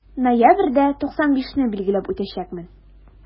Ноябрьдә 95 не билгеләп үтәчәкмен.